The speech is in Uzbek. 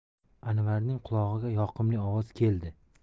anvarning qulog'iga yoqimli ovoz keldi